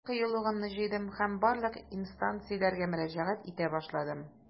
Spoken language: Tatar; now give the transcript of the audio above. Мин кыюлыгымны җыйдым һәм барлык инстанцияләргә мөрәҗәгать итә башладым.